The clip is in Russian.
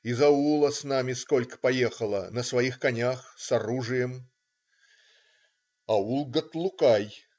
Из аула с нами столько поехало, на своих конях, с оружием. " Аул Гатлукай.